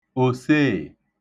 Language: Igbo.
òseè